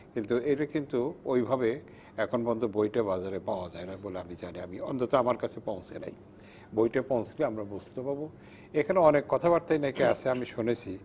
কিন্তু এটা কিন্তু ওই ভাবে এখন পর্যন্ত বইটা বাজারে পাওয়া যায়নি বলে আমি জানি অন্তত আমার কাছে পাওয়া যায়নি বইটা পৌঁছলে আমরা বুঝতে পারবো এখানে অনেক কথা বার্তাই নাকি আছে আমি শুনেছি